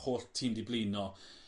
...holl tîm 'di blino.